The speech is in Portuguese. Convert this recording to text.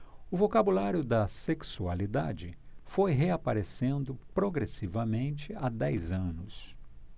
o vocabulário da sexualidade foi reaparecendo progressivamente há dez anos